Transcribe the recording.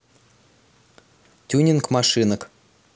тюнинг машинок